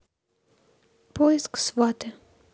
поиск сваты